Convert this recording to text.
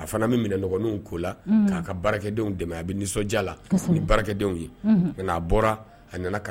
A fana bɛ dɔgɔninw ko la k'a ka baaradenw dɛmɛ a bɛ nisɔndiya la ni baarakɛdenw ye nka aa bɔra a nana